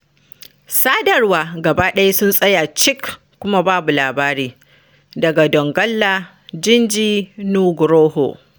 Sadarwa “gaba ɗaya sun tsaya cik kuma babu labari” daga Donggala, jinji Nugroho.